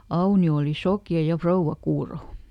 Aunio oli sokea ja rouva kuuro